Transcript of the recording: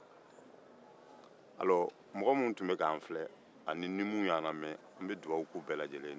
mɔgo minnu tun bɛk'an filɛ ani minnu b'an lajɛ n bɛ dugawu kɛ u bɛɛ lajelen ye